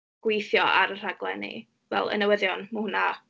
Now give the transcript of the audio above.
gweithio ar y rhaglenni. Fel y newyddion, ma' hwnna...